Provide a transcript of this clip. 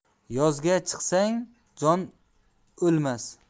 yozga chiqsang jon o'lmas